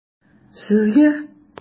Сезгә?